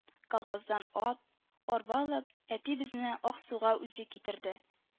Колхоздан ат, арба алып, әти безне Аксуга үзе китерде